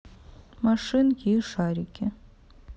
машинки и шарики